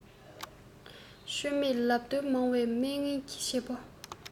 ཆོ མེད ལབ བརྡོལ མང བའི དམོན ངན གྱི བྱེད པོ